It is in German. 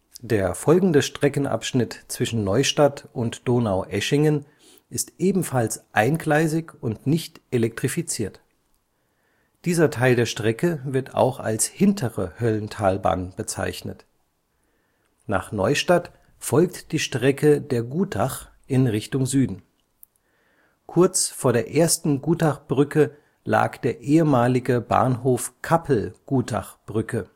Der folgende Streckenabschnitt zwischen Neustadt und Donaueschingen ist ebenfalls eingleisig und nicht elektrifiziert. Dieser Teil der Strecke wird auch als Hintere Höllentalbahn bezeichnet. Nach Neustadt folgt die Strecke der Gutach in Richtung Süden. Kurz vor der ersten Gutachbrücke lag der ehemalige Bahnhof Kappel Gutachbrücke